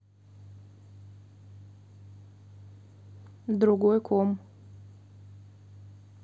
другой ком